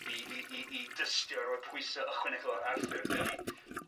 I i i i dystio a roi pwysau ychwanegol i Arthur i... Ia.